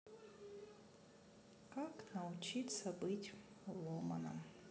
как научиться быть ломоном